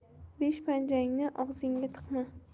besh panjangni og'zingga tiqma